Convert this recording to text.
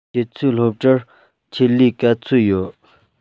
ཁྱོད ཚོའི སློབ གྲྭར ཆེད ལས ག ཚོད ཡོད